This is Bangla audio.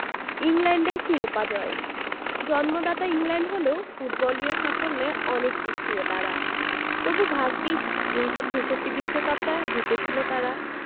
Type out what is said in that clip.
ইংল্যান্ডের শিরোপা জয় জন্মদাতা ইংল্যান্ড হলেও ফুটবলীয় সাফল্যে অনেক পিছিয়ে তারা তবু ভাগ্যিস ১৯৬৬ বিশ্বকাপটা জিতেছিল তারা